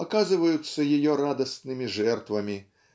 оказываются ее радостными жертвами